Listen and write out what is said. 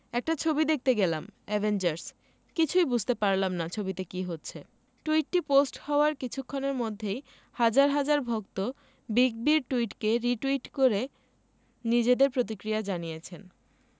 একটা ছবি দেখতে গেলাম অ্যাভেঞ্জার্স... কিছু বুঝতেই পারলাম না ছবিতে কী হচ্ছে টুইটটি পোস্ট হওয়ার কিছুক্ষণের মধ্যেই হাজার হাজার ভক্ত বিগ বির টুইটকে রিটুইট করে নিজেদের প্রতিক্রিয়া জানিয়েছেন